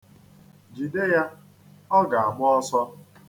Jide ya, ọ ga-agba ọsọ.